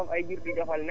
waaw